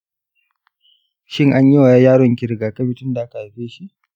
shin anyima yaron ki rigakafi tunda aka haife shi?